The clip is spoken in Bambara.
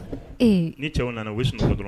Ni cɛw nana u sɔrɔ dɔrɔn